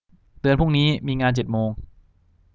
เตือนพรุ่งนี้มีงานเจ็ดโมง